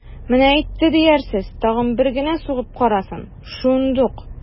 Менә әйтте диярсез, тагын бер генә сугып карасын, шундук...